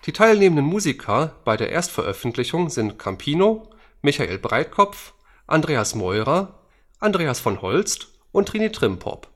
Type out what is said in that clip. teilnehmenden Musiker bei der Erstveröffentlichung sind Campino, Michael Breitkopf, Andreas Meurer, Andreas von Holst und Trini Trimpop